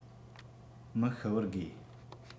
མི ཤི བར དགོས